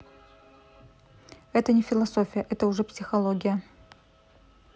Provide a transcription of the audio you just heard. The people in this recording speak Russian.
это не философия это уже психология